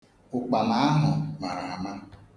Ukpana ahụ mara ama.